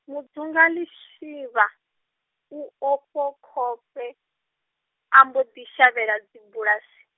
Mudzunga Lishivha, u ofho khovhe, a mbo ḓi shavhela dzibulasi.